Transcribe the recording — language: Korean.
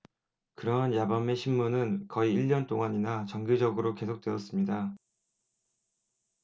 그러한 야밤의 심문은 거의 일년 동안이나 정기적으로 계속되었습니다